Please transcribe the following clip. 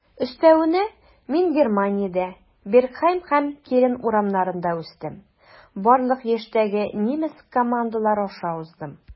Өстәвенә, мин Германиядә, Бергхайм һәм Кельн урамнарында үстем, барлык яшьтәге немец командалары аша уздым.